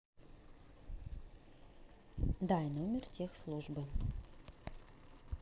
дай номер службы тех